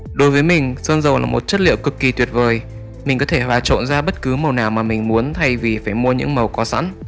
đối với mình sơn dầu là một chất liệu vô cùng tuyệt vời mình có thể hòa trộn ra bất kỳ màu nào mình muốn thay vì phải mua những màu có sẵn